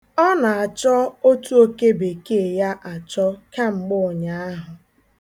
Ọ na-achọ otu okebekee ya achọ kamgbe ụnyaahụ.